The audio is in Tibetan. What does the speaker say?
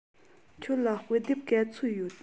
ཁྱོད ལ དཔེ དེབ ག ཚོད ཡོད